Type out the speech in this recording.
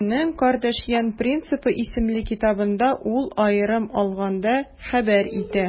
Үзенең «Кардашьян принципы» исемле китабында ул, аерым алганда, хәбәр итә: